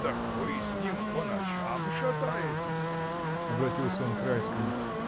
— Так вы с ним по ночам шатаетесь! — обратился он к Райскому.